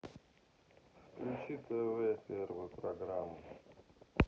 включи тв первую программу